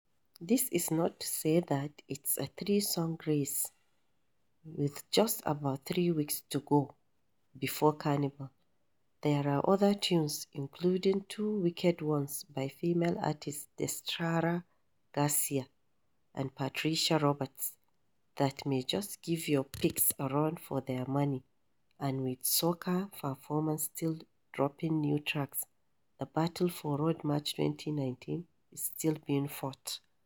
This is not to say that it's a three-song race. With just about three weeks to go before Carnival, there other tunes — including two wicked ones by female artists Destra Garcia and Patrice Roberts — that may just give our picks a run for their money, and with soca performers still dropping new tracks, the battle for Road March 2019 is still being fought.